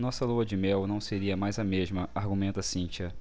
nossa lua-de-mel não seria mais a mesma argumenta cíntia